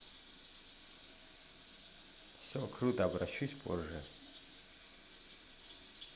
все круто обращусь позже